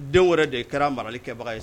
Den wɛrɛ de ye kɛra marali kɛbaga ye